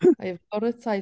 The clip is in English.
I have got a type.